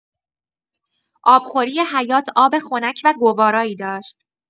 آبخوری حیاط آب خنک و گوارایی داشت.